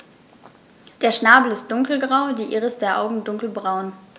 Der Schnabel ist dunkelgrau, die Iris der Augen dunkelbraun.